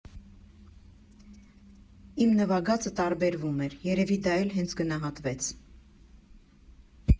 Իմ նվագածը տարբերվում էր, երևի դա էլ հենց գնահատվեց։